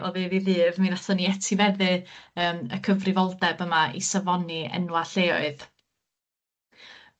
### o ddydd i dydd, mi nathon ni etifeddu yym y cyfrifoldeb yma i safoni enwa' lleoedd